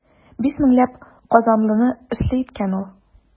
Биш меңләп казанлыны эшле иткән ул.